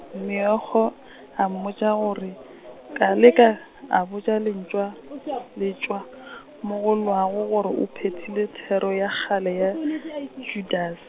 Meokgo, a mmotša gore, Koleka a botša Lentšwa , Letšwa , mogolwagwe gore o phethile thero ya kgale ya, Judase.